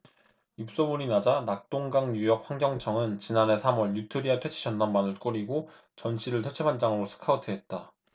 입소문이 나자 낙동강유역환경청은 지난해 삼 월 뉴트리아 퇴치전담반을 꾸리고 전씨를 퇴치반장으로 스카우트했다